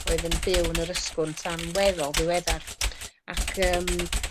oedd yn byw yn Yr Ysgwrn tan weddol ddiweddar. Ac yym